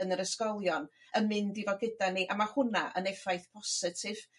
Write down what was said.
yn yr ysgolion yn mynd i fo' gyda ni a ma' o hwnna yn effaith posatif